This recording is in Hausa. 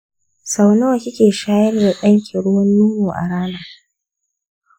sau nawa kike shayar da danki ruwan nono a rana?